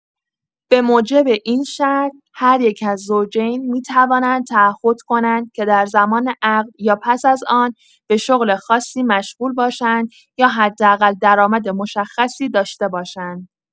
به‌موجب این شرط، هر یک از زوجین می‌توانند تعهد کنند که در زمان عقد یا پس از آن به شغل خاصی مشغول باشند یا حداقل درآمد مشخصی داشته باشند.